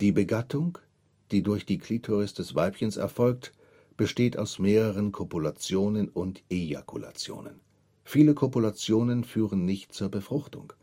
Begattung, die durch die Klitoris des Weibchens erfolgt, besteht aus mehreren Kopulationen und Ejakulationen. Viele Kopulationen führen nicht zur Befruchtung